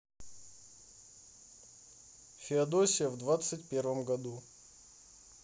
феодосия в двадцать первом году